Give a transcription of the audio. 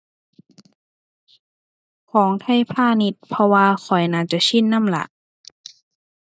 ของไทยพาณิชย์ เพราะว่าข้อยน่าจะชินนำล่ะ